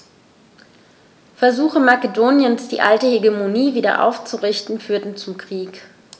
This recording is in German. Versuche Makedoniens, die alte Hegemonie wieder aufzurichten, führten zum Krieg.